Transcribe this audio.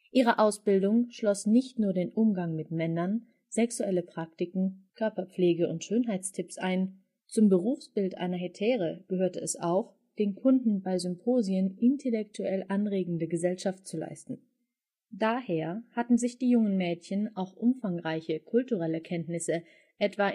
Ihre Ausbildung schloss nicht nur den Umgang mit Männern, sexuelle Praktiken, Körperpflege und Schönheitstipps ein; zum Berufsbild einer Hetäre gehörte es auch, den Kunden bei Symposien intellektuell anregende Gesellschaft zu leisten. Daher hatten sich die jungen Mädchen auch umfangreiche kulturelle Kenntnisse, etwa